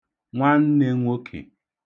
nwannē nwokè